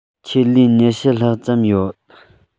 ཆེད ལས ཉི ཤུ ལྷག ཙམ ཡོད